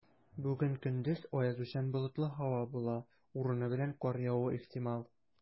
Бүген көндез аязучан болытлы һава була, урыны белән кар явуы ихтимал.